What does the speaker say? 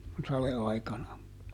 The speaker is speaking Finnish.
kun sadeaikana